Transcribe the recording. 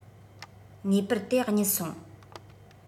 ངེས པར དེ གཉིད སོང